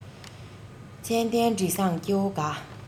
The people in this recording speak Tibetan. ཙན དན དྲི བཟང སྐྱེ བོ དགའ